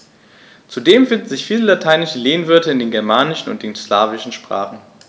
Zudem finden sich viele lateinische Lehnwörter in den germanischen und den slawischen Sprachen.